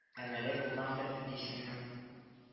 Әмәле булгандыр идисеңме